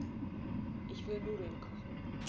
Ich will Nudeln kochen.